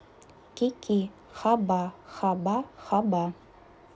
kiki хаба хаба хаба